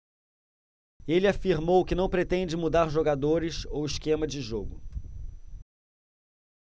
ele afirmou que não pretende mudar jogadores ou esquema de jogo